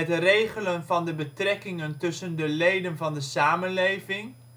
regelen van de betrekkingen tussen de leden van de samenleving